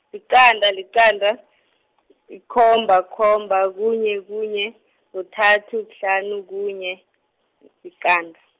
liqanda, liqanda, yikomba, khomba, kunye, kunye, kuthathu, kuhlanu, kunye, liqanda.